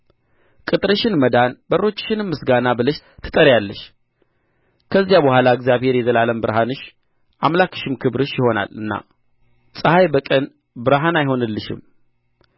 ቅጥርሽን መዳን በሮችሽንም ምስጋና ብለሽ ትጠሪያለሽ ከዚያ በኋላ እግዚአብሔር የዘላለም ብርሃንሽ አምላክሽም ክብርሽ ይሆናልና ፀሐይ በቀን ብርሃን አይሆንልሽም